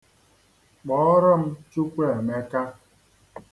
Kpọọrọ m Chukwuemeka.